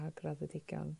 a graddedigion.